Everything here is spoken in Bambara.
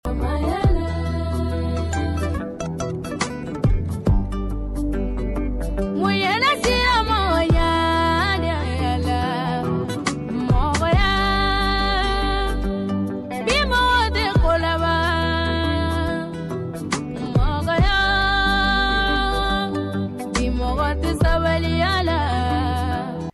Mɔji mɔgɔya la mɔgɔ ni mɔgɔ denkuma mɔgɔ ni mɔgɔ tɛ sɛbɛnya la